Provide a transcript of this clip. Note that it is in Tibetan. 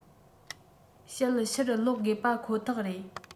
བཤད ཕྱིར སློག དགོས པ ཁོ ཐག རེད